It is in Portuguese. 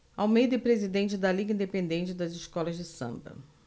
almeida é presidente da liga independente das escolas de samba